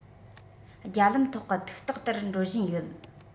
རྒྱ ལམ ཐོག གི ཐིག རྟགས ལྟར འགྲོ བཞིན ཡོད